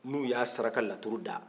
n'u y'a saraka laturu da